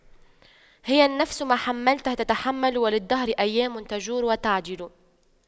هي النفس ما حَمَّلْتَها تتحمل وللدهر أيام تجور وتَعْدِلُ